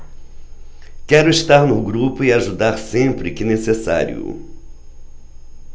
quero estar no grupo e ajudar sempre que necessário